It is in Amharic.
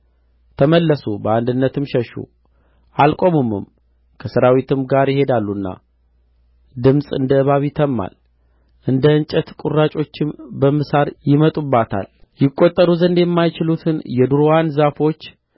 ተመለሱ በአንድነትም ሸሹ አልቆሙምም ከሠራዊትም ጋር ይሄዳሉና ድምፅ እንደ እባብ ይተምማል እንደ እንጨት ቈራጮችም በምሳር ይመጡባታል ይቈጠሩ ዘንድ የማይቻሉትን የዱርዋን ዛፎች